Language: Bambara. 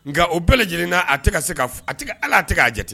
Nka o bɛɛ lajɛlen na a tɛ ka se ala tɛ k'a jate